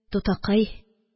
Тутакай